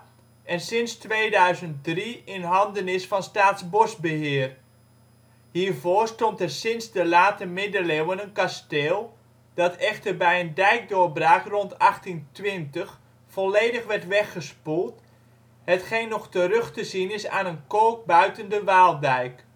en sinds 2003 in handen is van Staatsbosbeheer. Hiervoor stond er sinds de Late Middeleeuwen een kasteel, dat echter bij een dijkdoorbraak rond 1820 volledig werd weggespoeld, hetgeen nog terug te zien is aan een kolk buiten de Waaldijk